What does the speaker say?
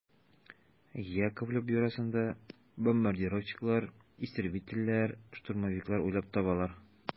Яковлев бюросында бомбардировщиклар, истребительләр, штурмовиклар уйлап табалар.